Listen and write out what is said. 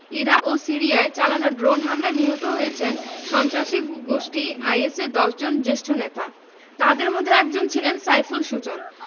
ইরা ও সিরিয়ায় চালানো ড্রোন হামলায় নিহত হয়েছেন সন্ত্রাসী গোষ্ঠী আইএসের ১০ জন জ্যেষ্ঠ নেতা তাঁদের মধ্যে একজন ছিলেন সাইফুল সুজন